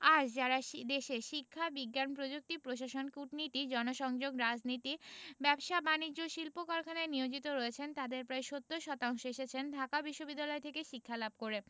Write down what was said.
আজ যাঁরা দেশের শিক্ষা বিজ্ঞান প্রযুক্তি প্রশাসন কূটনীতি জনসংযোগ রাজনীতি ব্যবসা বাণিজ্য ও শিল্প কারখানায় নিয়োজিত রয়েছেন তাঁদের প্রায় ৭০ শতাংশ এসেছেন এ বিশ্ববিদ্যালয় থেকে শিক্ষালাভ করে